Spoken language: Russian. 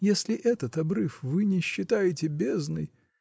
) если этот обрыв вы не считаете бездной.